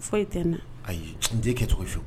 Fɔ e tɛ na ayi n' kɛ cogoyewu